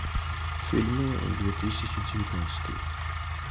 фильмы две тысячи девятнадцатый